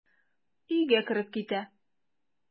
Өйгә кереп китә.